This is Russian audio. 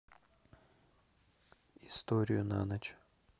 историю на ночь